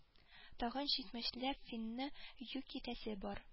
Тагын җитмешләп финны юк итәсе бар